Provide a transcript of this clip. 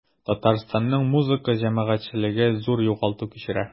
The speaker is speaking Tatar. Татарстанның музыка җәмәгатьчелеге зур югалту кичерә.